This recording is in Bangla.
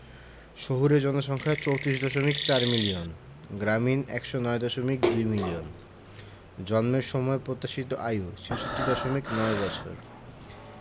শহুরে জনসংখ্যা ৩৪দশমিক ৪ মিলিয়ন গ্রামীণ ১০৯দশমিক ২ মিলিয়ন জন্মের সময় প্রত্যাশিত আয়ু ৬৬দশমিক ৯ বৎসর